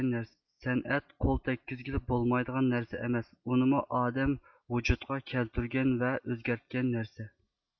سەنئەت قول تەككۈزگىلى بولمايدىغان نەرسە ئەمەس ئۇنىمۇ ئادەم ۋۇجۇدتقا كەلتۈرگەن ۋە ئۆزگەرتكەن نەرسە